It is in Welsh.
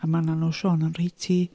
A mae Nanw Siôn yn rhoi ti...